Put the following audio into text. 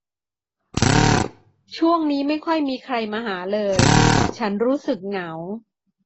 ช่วงนี้ไม่ค่อยมีใครมาหาเลยฉันรู้สึกเหงา